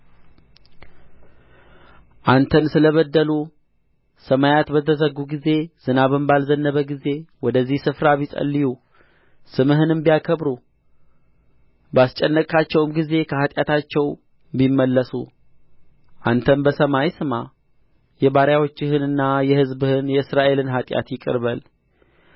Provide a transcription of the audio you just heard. አንተን ስለ በደሉ ሰማያት በተዘጉ ጊዜ ዝናብም ባልዘነበ ጊዜ ወደዚህ ስፍራ ቢጸልዩ ስምህንም ቢያከብሩ ባስጨነቅሃቸውም ጊዜ ከኃጢአታቸው ቢመለሱ አንተ በሰማይ ስማ የባሪያዎችህንና የሕዝብህን የእስራኤልን ኃጢአት ይቅር በል